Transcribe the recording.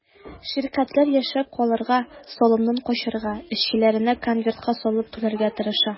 Ширкәтләр яшәп калырга, салымнан качарга, эшчеләренә конвертка салып түләргә тырыша.